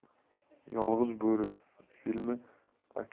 'yolg'iz bo'ri' filmi aka